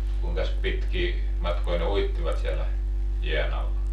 kuinkas pitkiä matkoja ne uittivat siellä jään alla